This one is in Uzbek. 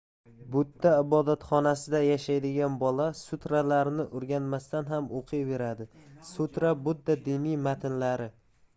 budda ibodatxonasida yashaydigan bola sutralarni o'rganmasdan ham o'qiyveradi sutra budda diniy matnlari